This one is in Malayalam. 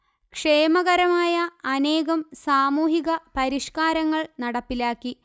ക്ഷേമകരമായ അനേകം സാമൂഹിക പരിഷ്കാരങ്ങൾ നടപ്പിലാക്കി